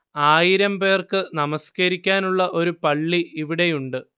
ആയിരം പേർക്ക് നമസ്കരിക്കാനുള്ള ഒരു പള്ളി ഇവിടെയുണ്ട്